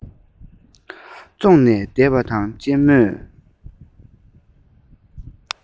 ཙོག ནས བསྡད པ དང གཅེན མོས